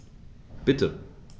Bitte.